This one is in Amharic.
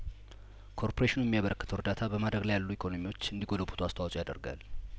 ኮርፖሬሽኑ የሚያበረክተው እርዳታ በማደግ ላይ ያሉ ኢኮኖሚዎች እንዲጐለብቱ አስተዋጽኦ ያደርጋል